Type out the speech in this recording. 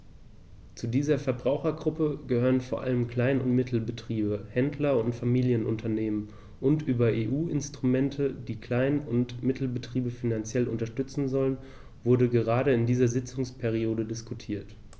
Zu dieser Verbrauchergruppe gehören vor allem Klein- und Mittelbetriebe, Händler und Familienunternehmen, und über EU-Instrumente, die Klein- und Mittelbetriebe finanziell unterstützen sollen, wurde gerade in dieser Sitzungsperiode diskutiert.